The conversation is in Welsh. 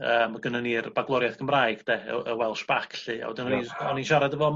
yy ma' gynnon ni'r bagloriaeth Gymraeg 'de y W- y Welsh Bac 'lly a wedyn o'n i o'n i'n siarad efo...